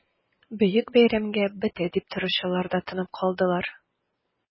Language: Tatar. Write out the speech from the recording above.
Бөек бәйрәмгә бетә дип торучылар да тынып калдылар...